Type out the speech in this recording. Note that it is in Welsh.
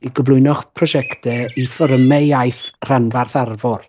I gyflwyno'ch prosiectiau i fforymau iaith rhanbarth Arfor.